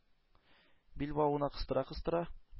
Билбавына кыстыра-кыстыра,